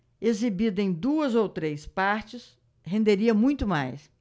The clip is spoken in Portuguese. exibida em duas ou três partes renderia muito mais